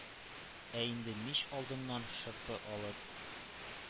Ә инде мич алдыннан шырпы алып